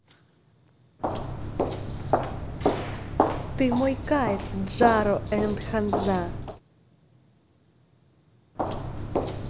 ты мой кайф джаро and ханза